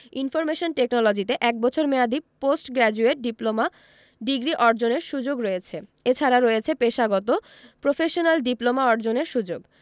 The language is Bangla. ইনফরমেশন টেকনোলজিতে এক বছর মেয়াদি পোস্ট গ্রাজুয়েট ডিপ্লোমা ডিগ্রি অর্জনের সুযোগ রয়েছে এছাড়া রয়েছে পেশাগত প্রফেশনাল ডিপ্লোমা অর্জনের সুযোগ